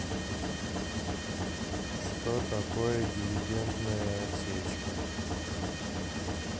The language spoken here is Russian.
что такое дивидендная отсечка